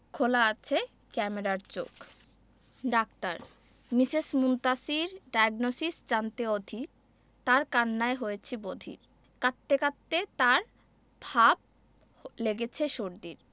খোলা আছে ক্যামেরার চোখ ডাক্তার মিসেস মুনতাসীর ডায়োগনসিস জানতে অধীর তার কান্নায় হয়েছি বধির কাঁদতে কাঁদতে তার ভাব লেগেছে সর্দির